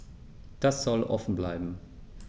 Das soll offen bleiben.